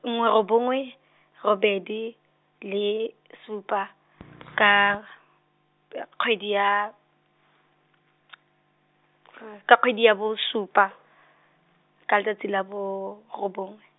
nngwe robongwe , robedi, le, supa, ka , kgwedi ya, , ka kgwedi ya bosupa, ka letsatsi la boro robongwe.